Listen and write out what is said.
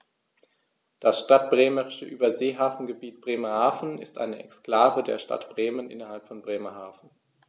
Das Stadtbremische Überseehafengebiet Bremerhaven ist eine Exklave der Stadt Bremen innerhalb von Bremerhaven.